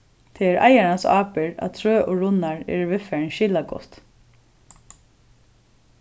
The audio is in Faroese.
tað er eigarans ábyrgd at trø og runnar eru viðfarin skilagott